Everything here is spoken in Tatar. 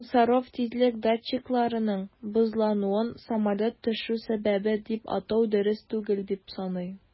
Гусаров тизлек датчикларының бозлануын самолет төшү сәбәбе дип атау дөрес түгел дип саный.